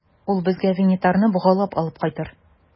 Ул безгә Винитарны богаулап алып кайтыр.